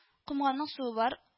Комганның суы бар